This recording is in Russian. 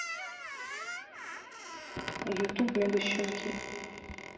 ютуб мега щенки